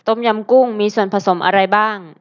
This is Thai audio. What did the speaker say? ต้มยำกุ้งมีส่วนผสมอะไรบ้าง